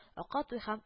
Ака туй һәм